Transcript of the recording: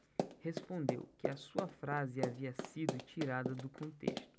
respondeu que a sua frase havia sido tirada do contexto